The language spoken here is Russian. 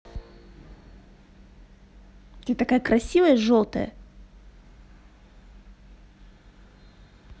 ты какая красивая желтая